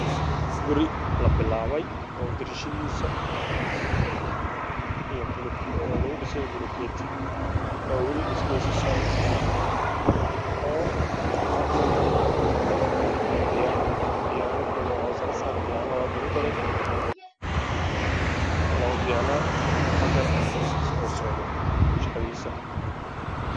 Meeshan waxaa ku yaalla guri daba dhismo ku socdo oo laga dhisaayo mataleel waxa uu leeyahay daaqad wayna furan tahay meel banaan ayuu ku yaalla